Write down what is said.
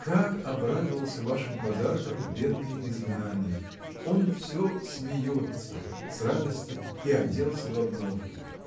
Как обрадовался вашим подаркам бедный изгнанник: он всё “смеется” с радости и оделся в обновки.